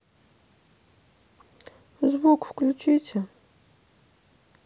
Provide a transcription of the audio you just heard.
звук включите